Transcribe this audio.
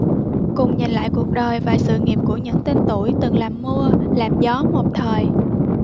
cùng nhìn lại cuộc đời và sự nghiệp của những tên tuổi từng làm mưa làm gió một thời